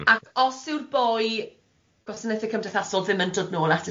Ac os yw'r boi gwasanaethe cymdeithasol ddim yn dod nôl ata ti